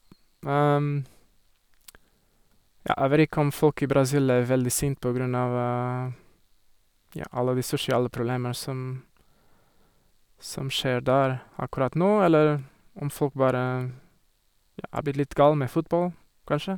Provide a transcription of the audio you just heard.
Ja, jeg vet ikke om folk i Brasil er veldig sint på grunn av, ja, alle de sosiale problemer som som skjer der akkurat nå, eller om folk bare, ja, har blitt litt gal med fotball, kanskje.